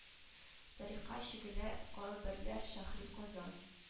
Тарихка чигелә каберләр шәһри казан